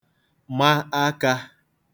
ma akā